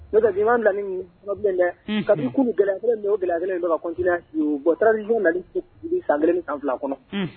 Donc na dɛ ka kun gɛlɛnkelen o bila kelensita san kelen san fila kɔnɔ